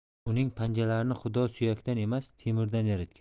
uning panjalarini xudo suyakdan emas temirdan yaratgan